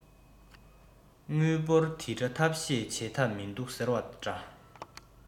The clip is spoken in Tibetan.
དངུལ འབོར འདི འདྲ ཐབས ཤེས བྱེད ཐབས མིན འདུག ཟེར བ འདྲ